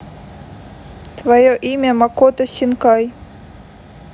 твое имя макото синкай